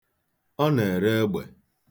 Ọ na-ere egbe.